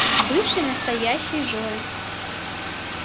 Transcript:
бывший настоящий жоры